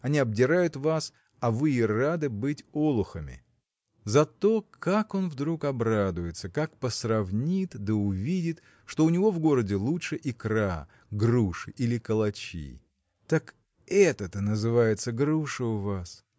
они обдирают вас, а вы и рады быть олухами! Зато как он вдруг обрадуется как посравнит да увидит что у него в городе лучше икра груши или калачи. Так это-то называется груша у вас?